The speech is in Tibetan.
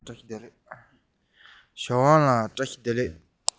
ཞའོ ཝང ལགས བཀྲ ཤིས བདེ ལེགས